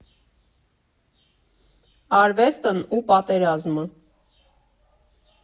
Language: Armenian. Արվեստն ու պատերազմը։